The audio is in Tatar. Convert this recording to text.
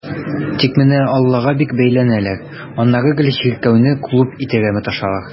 Тик менә аллага бик бәйләнәләр, аннары гел чиркәүне клуб итәргә маташалар.